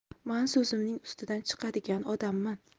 man so'zimning ustidan chiqadigan odamman